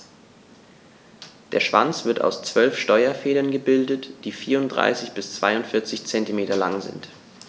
Der Schwanz wird aus 12 Steuerfedern gebildet, die 34 bis 42 cm lang sind.